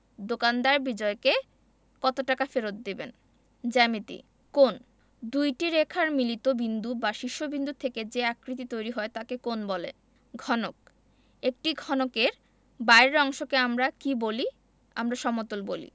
দোকানদার বিজয়কে কত টাকা ফেরত দেবেন জ্যামিতিঃ কোণঃ দুইটি রেখার মিলিত বিন্দু বা শীর্ষ বিন্দু থেকে যে আকৃতি তৈরি হয় তাকে কোণ বলে ঘনকঃ একটি ঘনকের বাইরের অংশকে আমরা কী বলি আমরা সমতল বলি